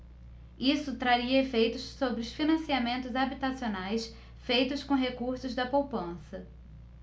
isso traria efeitos sobre os financiamentos habitacionais feitos com recursos da poupança